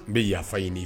N bi yafa ɲini